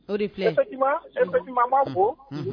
O de filɛ nin ye effectivement an b'a fo.